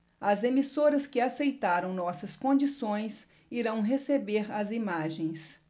as emissoras que aceitaram nossas condições irão receber as imagens